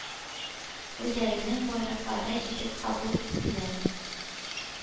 Үзләренең байраклары итеп кабул иттеләр.